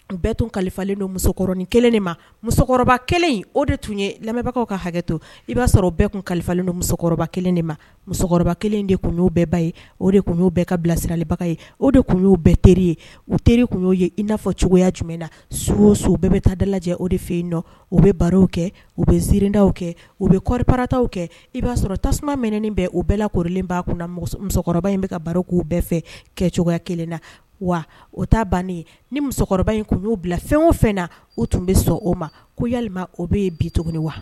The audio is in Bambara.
Bɛɛ tun kalifalen don musokɔrɔbakɔrɔnin kelen de ma musokɔrɔba kelen o de tun ye lamɛnbagaw ka hakɛ to i b'a sɔrɔ bɛɛ tun kalifa don musokɔrɔba kelen de ma musokɔrɔba kelen de tun y'o bɛɛba ye o de tun y'o bɛɛ ka bilasiralibaga ye o de tun y'o bɛɛ teri ye u teri tun y'o ye i n'a fɔ cogoya jumɛn na so oso bɛɛ bɛ taa dala o de fɛ yen nɔ u bɛ barow kɛ u bɛ ziirida kɛ u bɛ kɔri parataw kɛ i b'a sɔrɔ tasumaminɛen bɛn u bɛɛ la korolen' kunna musokɔrɔba in bɛ ka baro k'u bɛɛ fɛ kɛ cogoya kelen na wa o ta bannen ni musokɔrɔba in tun y'o bila fɛn o fɛn na u tun bɛ sɔn o ma ko ya o bɛ ye bi tuguni wa